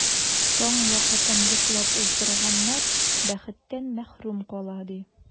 Таң вакытын йоклап уздырганнар бәхеттән мәхрүм кала, ди.